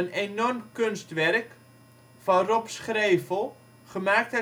enorm kunstwerk van Rob Schreefel, gemaakt